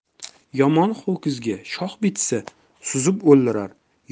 yomon ho'kizga shox bitsa suzib o'ldirar